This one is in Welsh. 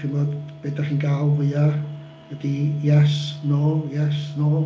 Chimod be dach chi'n gael fwyaf ydi "yes, no, yes, no".